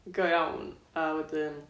Go iawn a wedyn...